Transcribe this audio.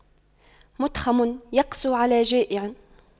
مُتْخَمٌ يقسو على جائع